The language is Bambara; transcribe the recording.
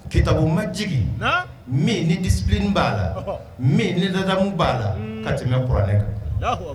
Ketabo maj ni dibi b'a la ni dadamu b'a la ka tɛmɛ k kɔrɔɛ kan